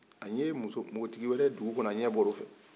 a ye npogotigi wɛrɛ ye dugu kɔnɔ a ɲɛn bɔra o fɛ